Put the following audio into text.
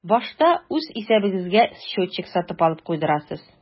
Башта үз исәбегезгә счетчик сатып алып куйдырасыз.